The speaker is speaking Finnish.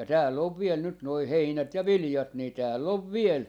ja täällä on vielä nyt nuo heinät ja viljat niin täällä on vielä